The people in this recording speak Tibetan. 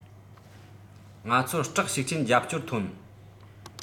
ང ཚོར བཀྲག ཤུགས ཆེན རྒྱབ སྐྱོར ཐོན